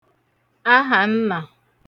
ahànnà